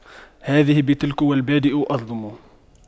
هذه بتلك والبادئ أظلم